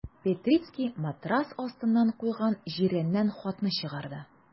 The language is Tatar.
Петрицкий матрац астына куйган җирәннән хатны чыгарды.